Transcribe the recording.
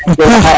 a paax